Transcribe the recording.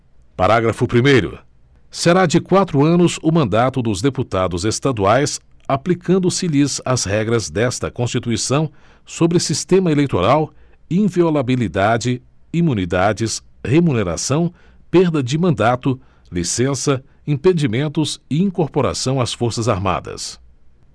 parágrafo primeiro será de quatro anos o mandato dos deputados estaduais aplicando se lhes as regras desta constituição sobre sistema eleitoral inviolabilidade imunidades remuneração perda de mandato licença impedimentos e incorporação às forças armadas